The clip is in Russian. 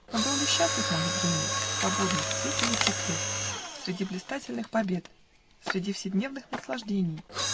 Но был ли счастлив мой Евгений, Свободный, в цвете лучших лет, Среди блистательных побед, Среди вседневных наслаждений?